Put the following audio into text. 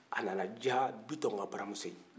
a nana ja bitɔn ka baaramuso ye